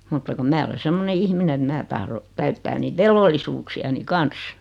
mutta kun minä olen semmoinen ihminen että minä tahdon täyttää niitä velvollisuuksiani kanssa